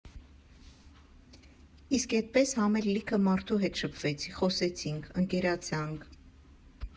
Իսկ էդպես համ էլ լիքը մարդու հետ շփվեցի՝ խոսացինք, ընկերացանք։